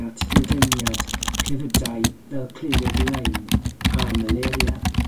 at ledaeniad clefydau fel clefyd Lyme a Malaria.